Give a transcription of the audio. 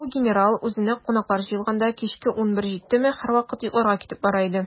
Менә бу генерал, үзенә кунаклар җыелганда, кичке унбер җиттеме, һәрвакыт йокларга китеп бара иде.